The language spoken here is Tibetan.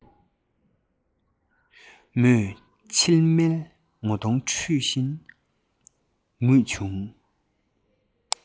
མོས མཆིལ མས ངོ གདོང འཁྲུད བཞིན ངུས བྱུང